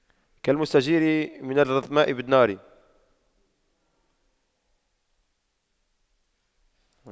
كالمستجير من الرمضاء بالنار